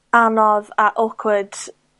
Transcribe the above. anodd a awkward